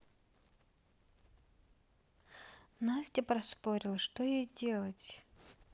настя проспорила что ей сделать